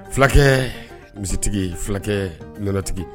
Fulakɛɛ misitigi fulakɛɛ nɔnɔtigi